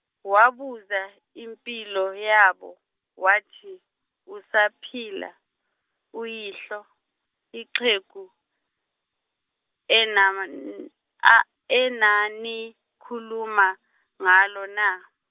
wabuza, impilo yabo, wathi, usaphila, uyihlo, ixhegu, enan- a- enanikhuluma, ngalo na?